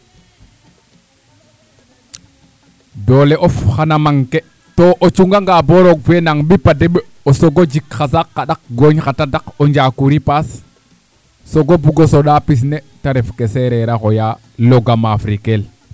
doole of xana manquer to o cunganga boo roog fe nang bip a deɓ o sogo jik xa saq xa ɗaq gooñ xa tadak o njaaku ripaas soog o bugo soɗaa pis ne te ref ke seereer a xooya log a maafrikel